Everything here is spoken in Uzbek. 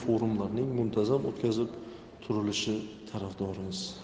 forumlarning muntazam o'tkazib turilishi tarafdorimiz